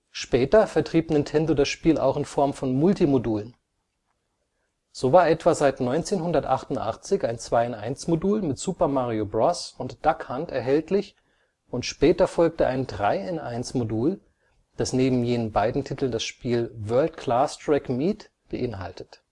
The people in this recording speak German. Später vertrieb Nintendo das Spiel auch in Form von Multimodulen. So war etwa seit 1988 ein 2-in-1-Modul mit Super Mario Bros. und Duck Hunt (NES, 1984) erhältlich und später folgte ein 3-in-1-Modul, das neben jenen beiden Titeln das Spiel World Class Track Meet (NES, 1988) beinhaltet